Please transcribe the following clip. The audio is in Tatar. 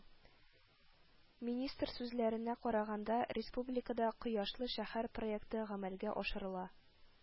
Министр сүзләренә караганда, республикада “Кояшлы шәһәр” проекты гамәлгә ашырыла